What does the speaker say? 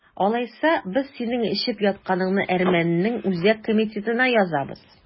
Алайса, без синең эчеп ятканыңны әрмәннең үзәк комитетына язабыз!